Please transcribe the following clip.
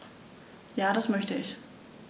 Ja, das möchte ich.